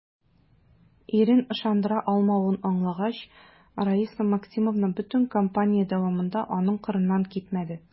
Ирен ышандыра алмавын аңлагач, Раиса Максимовна бөтен кампания дәвамында аның кырыннан китмәде.